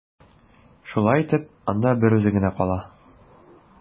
Шулай итеп, анда берүзе генә кала.